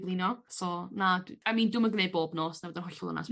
blino so na d- I mean dw'm yn gneu' bob nos na'i fod yn hollol onast...